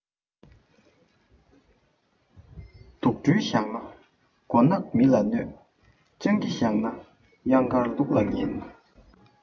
དུག སྦྲུལ བཞག ན མགོ ནག མི ལ གནོད སྤྱང ཀི བཞག ན གཡང དཀར ལུག ལ ངན